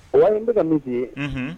O nin n bɛ ka min' ye